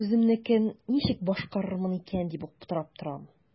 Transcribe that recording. Үземнекен ничек башкарырмын икән дип аптырап торам.